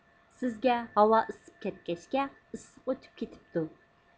سىزگە ھاۋا ئىسسىپ كەتكەچكە ئىسسىق ئۆتۈپ كېتىپتۇ